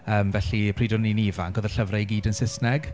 Yym felly pryd o'n i'n ifanc oedd y llyfrau i gyd yn Saesneg.